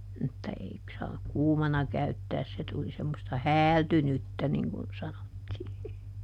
mutta ei saa kuumana käyttää se tuli semmoista häältynyttä niin kuin sanottiin